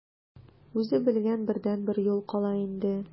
Үзе белгән бердәнбер юл кала инде.